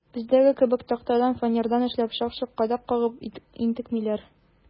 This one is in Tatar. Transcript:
Бездәге кебек тактадан, фанерадан эшләп, шак-шок кадак кагып интекмиләр.